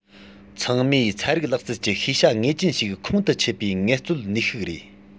ཚང མས ཚན རིག ལག རྩལ གྱི ཤེས བྱ ངེས ཅན ཞིག ཁོང དུ ཆུད པའི ངལ རྩོལ ནུས ཤུགས རེད